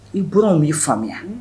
I buranw b'i faamuya